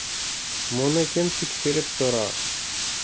Моны кем тикшереп тора?